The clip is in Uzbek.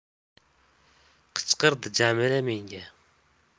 qichqirdi jamila menga